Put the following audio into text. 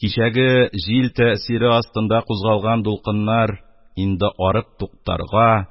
Кичәге җил тәэсире астында кузгалган дулкыннар инде арып туктарга,